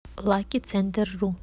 лаки центр ру